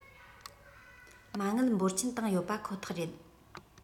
མ དངུལ འབོར ཆེན བཏང ཡོད པ ཁོ ཐག རེད